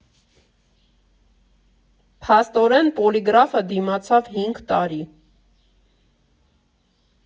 Փաստորեն, Պոլիգրաֆը դիմացավ հինգ տարի։